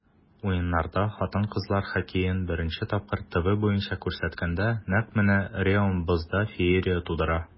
Уеннарда хатын-кызлар хоккеен беренче тапкыр ТВ буенча күрсәткәндә, нәкъ менә Реом бозда феерия тудыра.